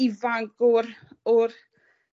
ifanc o'r o'r